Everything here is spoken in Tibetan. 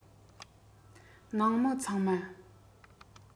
ནང མི ཚང མ